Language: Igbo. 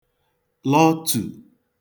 lọtù